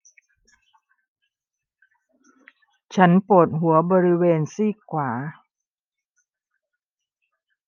ฉันปวดหัวบริเวณซีกขวา